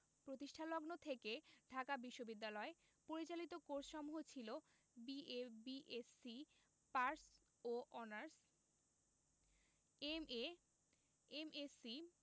প্রতিষ্ঠালগ্ন থেকে ঢাকা বিশ্ববিদ্যালয় পরিচালিত কোর্সসমূহ ছিল বি.এ বি.এসসি পাস ও অনার্স এম.এ এম.এসসি